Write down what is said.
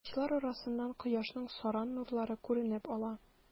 Агачлар арасыннан кояшның саран нурлары күренеп ала.